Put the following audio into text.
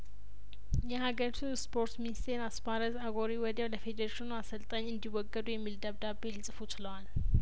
የሀገሪቱ ስፖርት ሚኒስቴር አስፓራዝ አጐሬ ወዲያው ለፌዴሬሽኑ አሰልጣኝ እንዲወገዱ የሚል ደብዳቤ ሊጽፉ ችለዋል